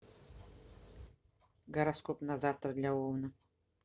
гороскоп на завтра для овна